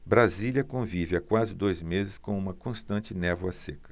brasília convive há quase dois meses com uma constante névoa seca